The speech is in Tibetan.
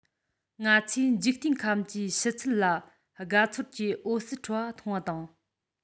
ང ཚོས འཇིག རྟེན ཁམས ཀྱི ཕྱི ཚུལ ལ དགའ ཚོར གྱི འོད ཟེར འཕྲོ བ མཐོང བ དང